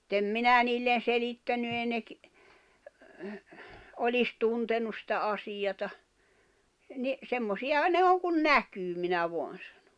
mutta en minä niille selittänyt ei ne - olisi tuntenut sitä asiaa niin semmoisiahan ne on kuin näkyy minä vain sanon